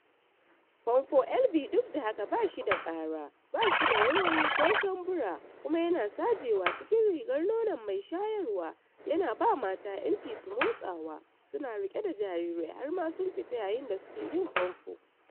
fomfo Elvie duk da haka, bashi da kara, ba shi da wayoyi ko shambura kuma yana sajewa cikin rigar nono mai shayarwa, yana ba mata 'yanci su motsawa, su na riƙe da jarirai, har ma sun fita yayin da suke yin famfo.